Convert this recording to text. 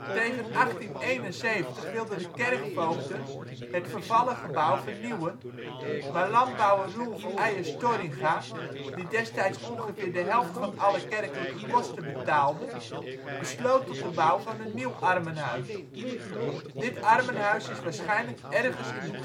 Tegen 1871 wilden de kerkvoogden het vervallen gebouw vernieuwen, maar landbouwer Roelf Eijes Torringa, die destijds ongeveer de helft van alle kerkelijke kosten betaalde, besloot tot de bouw van een nieuw armenhuis. Dit armenhuis is waarschijnlijk ergens in de